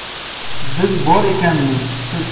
biz bor ekanmiz siz